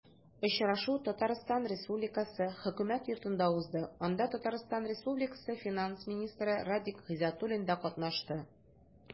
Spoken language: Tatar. Очрашу Татарстан Республикасы Хөкүмәт Йортында узды, анда ТР финанс министры Радик Гайзатуллин да катнашты.